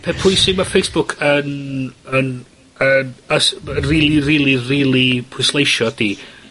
...pe' pwysig ma' Facebook yn yn yn os, m- rili rili rili pwysleisio ydi